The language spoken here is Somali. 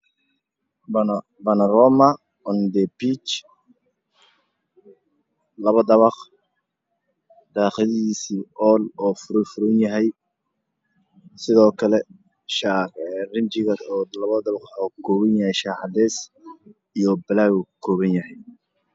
Waa dabaq adi ah oo ka kooban laba biyano wuxuuna ka kooban yahay madow iyo gaduud iyo haddaan waxay ku dhex yaalla geedo waaweyn